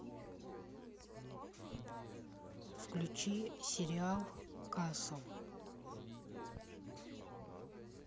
включи сериал касл